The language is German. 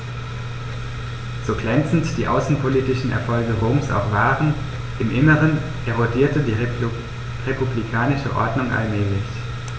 So glänzend die außenpolitischen Erfolge Roms auch waren: Im Inneren erodierte die republikanische Ordnung allmählich.